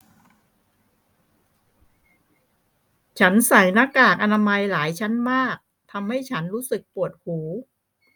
ฉันใส่หน้ากากอนามัยหลายชั้นมากทำให้ฉันรู้สึกปวดหู